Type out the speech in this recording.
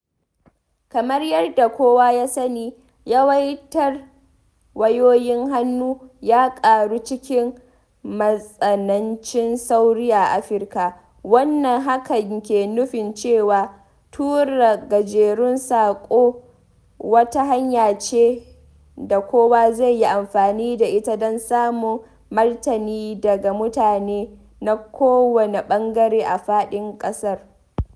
Kamar yadda kowa ya sani, yawaitar wayoyin hannu ya ƙaru cikin matsanancin sauri a Afirka, wanda hakan ke nufin cewa tura gajeren saƙo wata hanya ce da kowa zai iya amfani da ita don samun martani daga mutane na kowane ɓangare a faɗin ƙasar.